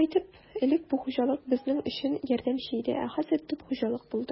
Шулай итеп, элек бу хуҗалык безнең өчен ярдәмче иде, ә хәзер төп хуҗалык булды.